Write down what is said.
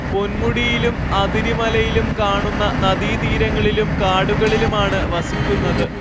പൊന്മുടിയിലും അതിരിമലയിലും കാണുന്ന നദീതീരങ്ങളിലും കാടുകളിലുമാണ് വസിക്കുനത്